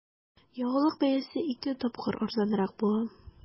Ягулык бәясе ике тапкыр арзанрак була.